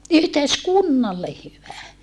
yhteiskunnalle hyvä